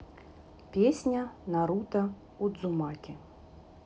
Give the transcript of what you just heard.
песня наруто удзумаки